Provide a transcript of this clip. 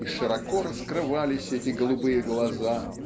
и широко раскрывались эти голубые глаза